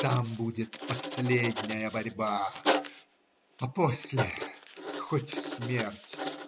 Там будет последняя борьба, а после - хоть смерть.